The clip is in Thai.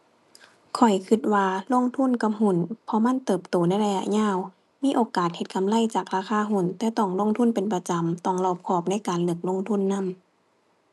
ข้อยคิดว่าลงทุนกับหุ้น เพราะมันเติบโตในระยะยาว มีโอกาสเฮ็ดกำไรจากราคาหุ้นแต่ต้องลงทุนเป็นประจำ ต้องรอบคอบในการเลือกลงทุนนำ